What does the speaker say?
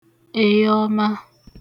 ẹyọọma